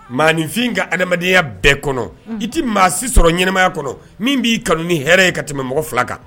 Maainfin ka adamadenyaya bɛɛ kɔnɔ i tɛ maa si sɔrɔ ɲɛnaɛnɛmaya kɔnɔ min b'i kanu ni hɛrɛ ye ka tɛmɛ mɔgɔ fila kan